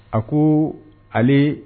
A ko ale